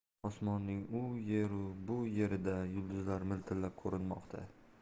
osmonning u yer bu yerida yulduzlar miltillab ko'rinmoqda